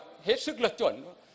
hết sức lệch chuẩn